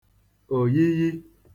òyiyi